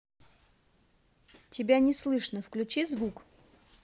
тебя не слышно включи звук